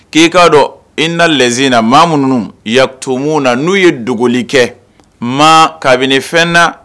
K'i k'a dɔn maa minnu n'u ye dogoli kɛ ma kabini fɛn na